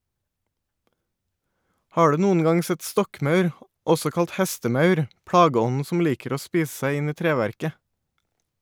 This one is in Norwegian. Har du noen gang sett stokkmaur, også kalt hestemaur, plageånden som liker å spise seg inn i treverket?